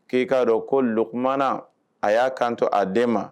K'i kaa dɔn ko kumana a y'a kanto a den ma